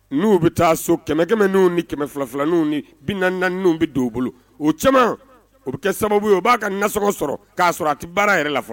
N'u bɛ taa so kɛmɛ kɛmɛenw ni kɛmɛ filafiinw ni bi naaniw bɛ don bolo o caman o bɛ kɛ sababu o b'a ka nassoɔgɔ sɔrɔ k'a sɔrɔ a tɛ baara yɛrɛ la fɔlɔ